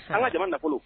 Ala jamana na nafolo